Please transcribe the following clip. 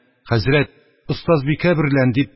«хәзрәт, остазбикә берлән, – дип,